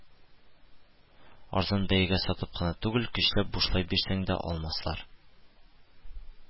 Арзан бәягә сатып кына түгел, көчләп бушлай бирсәң дә алмаслар